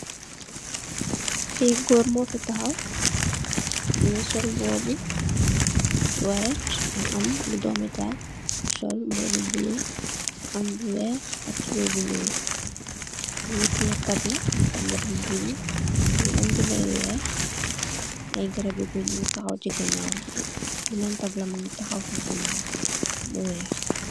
Fi gòor mu fi tahaw, mungi sol mbuba bu vert mu am lu doomital. Sol mbuba bu bulo am bu weeh ak tubeye bu ñuul. Mungi tè taabla, taabla bu bulo, mungi am binda yu weeh. Ay garab bi gouy ñungi tahaw ci gannawam, benen taabla mungi tahaw fofunoon bu weeh.